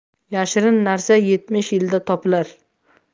yashirin narsa yetmish yilda topilar